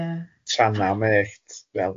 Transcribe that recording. Trannau mellt fel ia,